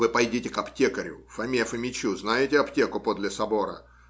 вы пойдите к аптекарю, Фоме Фомичу, - знаете аптеку, подле собора?